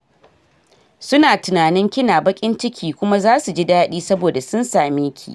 Su na tunanin kina bakin ciki kuma za su ji dadi saboda sun same ki."